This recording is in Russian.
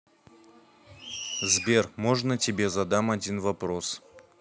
сбер можно тебе задам один вопрос